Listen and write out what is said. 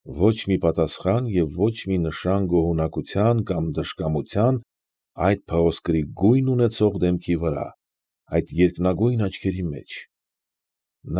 Ոչ մի պատասխան և ոչ մի նշան գոհունակության կամ դժկամության այդ փղոսկրի գույն ունեցող դեմքի վրա, այդ երկնագույն աչքերի մեջ։